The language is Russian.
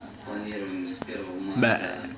ситуация в нагорном карабахе